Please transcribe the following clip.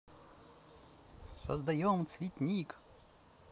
создаем цветник